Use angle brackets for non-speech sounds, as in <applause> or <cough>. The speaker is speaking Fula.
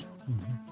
<hesitation> <hesitation>